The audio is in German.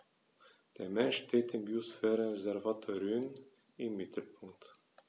Der Mensch steht im Biosphärenreservat Rhön im Mittelpunkt.